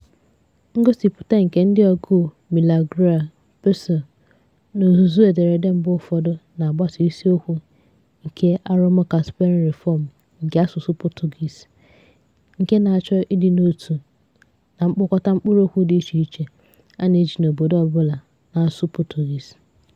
Ngosịpụta nke ndị ọgụụ Milagrário Pessoal n'ozuzu ederede mgbe ụfọdụ na-agbasa isiokwu nke arụmụka Spelling Reform nke asụsụ Portuguese, nke na-achọ ịdị n'otu na mkpokọta mkpụrụokwu dị icheiche a na-eji n'obodo ọbụla na-asụ Portuguese.